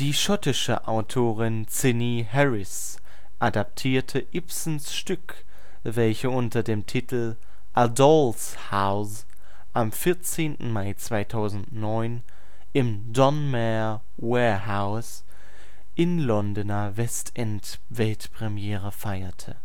schottische Autorin Zinnie Harris adaptierte Ibsen Stück, welches unter dem Titel A Doll’ s House am 14. Mai 2009 im Donmar Warehouse in Londoner Westend Weltpremiere feierte